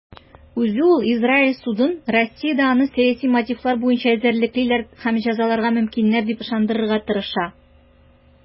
Үзе ул Израиль судын Россиядә аны сәяси мотивлар буенча эзәрлеклиләр һәм җәзаларга мөмкиннәр дип ышандырырга тырыша.